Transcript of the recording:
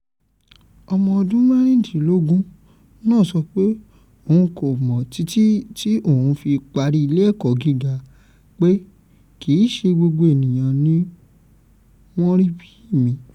Ọmọ ọdún 24 mẹ́rìndínlógún náà sọ pé òun kò mọ̀ títí tí òun fi parí ilé ẹ̀kọ́ gíga pé “kìíṣe gbogbo ènìyàn ní wọ́n rí bí mi”